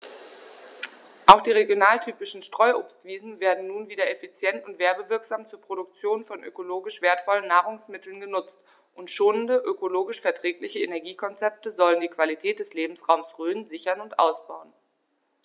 Auch die regionaltypischen Streuobstwiesen werden nun wieder effizient und werbewirksam zur Produktion von ökologisch wertvollen Nahrungsmitteln genutzt, und schonende, ökologisch verträgliche Energiekonzepte sollen die Qualität des Lebensraumes Rhön sichern und ausbauen.